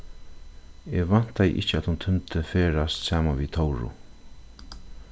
eg væntaði ikki at hon tímdi ferðast saman við tóru